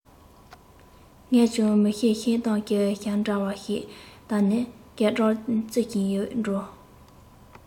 ངས ཀྱང མིག ཤེལ ཤེལ དམ གྱི ཞབས འདྲ བ ཞིག བཏགས ནས སྐར གྲངས རྩི བཞིན ཡོད འགྲོ